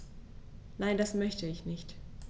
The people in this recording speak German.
Nein, das möchte ich nicht.